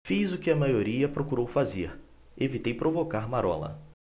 fiz o que a maioria procurou fazer evitei provocar marola